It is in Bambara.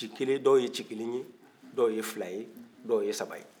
ci kelen dɔw ye ci kelen ye dɔw ye fila ye dɔw ye saba ye